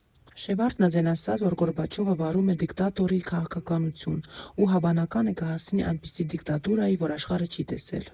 Շևարդնաձեն ասաց, որ Գորբաչովը վարում է դիկտատորի քաղաքականություն, ու հավանական է կհասցնի այնպիսի դիկտատուրայի, որ աշխարհը չի տեսել։